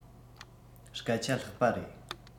སྐད ཆ ལྷག པ རེད